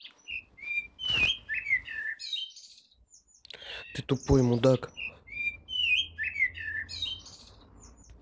ты тупой мудак